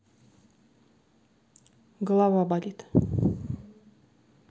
голова болит